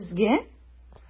Сезгә?